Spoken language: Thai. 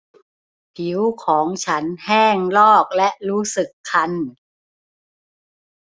ผิวของฉันแห้งลอกและรู้สึกคัน